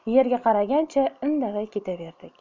yerga qaragancha indamay ketaverdik